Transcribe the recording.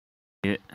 གཉིས ཡོད